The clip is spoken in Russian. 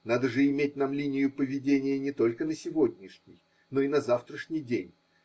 Надо же иметь нам линию поведения не только на сегодняшний, но и на завтрашний день.